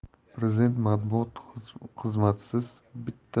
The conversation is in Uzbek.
prezident matbuot xizmatisiz bitta